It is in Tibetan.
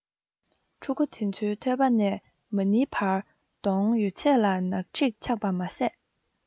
ཕྲུ གུ དེ ཚོའི ཐོད པ ནས མ ནེའི བར གདོང ཡོད ཚད ལ ནག དྲེག ཆགས པ མ ཟད